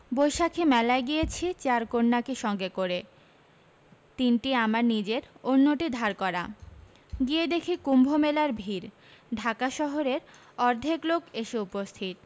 বৈশাখী মেলায় গিয়েছি চার কন্যাকে সঙ্গে করে তিনটি অামার নিজের অন্যটি ধার করা গিয়ে দেখি কুম্ভমেলার ভিড় ঢাকা শহরের অর্ধেক লোক এসে উপস্থিত